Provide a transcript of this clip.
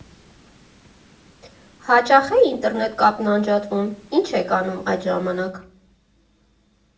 Հաճա՞խ է ինտերնետ կապն անջատվում։ Ի՞նչ եք անում այդ ժամանակ։